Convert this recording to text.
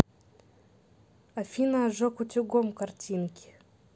афина ожог утюгом картинки